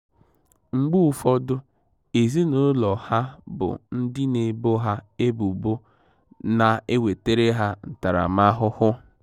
Mgbe ụfọdụ, ezinaụlọ ha bụ ndị na-ebo ha ebubo na-ewetara ha ntaramahụhụ.